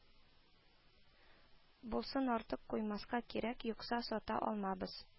Булсын, артык куймаска кирәк, юкса сата алмабыз